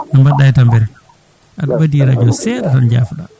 no mbaɗɗa e tampere aɗa ɓaadi radio o seeɗa tan jaafoɗa